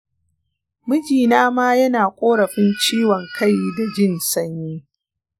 mijina ma yana korafin ciwon kai da jin sanyi.